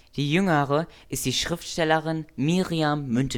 jüngere ist die Schriftstellerin Mirjam